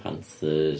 Panthers.